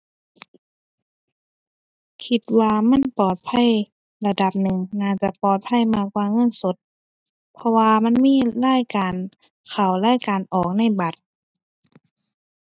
คิดว่ามันปลอดภัยระดับหนึ่ง น่าจะปลอดภัยมากกว่าเงินสด เพราะว่ามันมีรายการเข้า รายการออกในบัตร